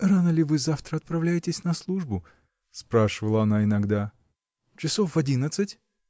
– Рано ли вы завтра отправитесь на службу? – спрашивала она иногда. – Часов в одиннадцать.